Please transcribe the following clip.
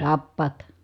tappavat